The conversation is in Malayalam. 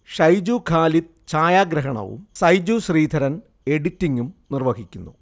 ഷൈജു ഖാലിദ് ചായാഗ്രഹണവും സൈജു ശ്രീധരൻ എഡിറ്റിംഗും നിർവഹിക്കുന്നു